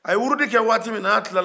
a ye wurudi kɛ waati min n'a tilala